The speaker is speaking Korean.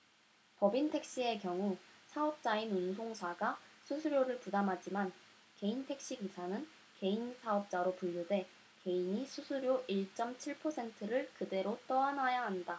법인택시의 경우 사업자인 운송사가 수수료를 부담하지만 개인택시 기사는 개인사업자로 분류돼 개인이 수수료 일 쩜 칠 퍼센트를 그대로 떠안아야 한다